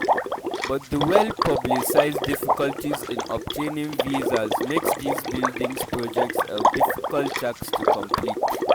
But the well publicised difficulties in obtaining visas makes these building projects a difficult task to complete.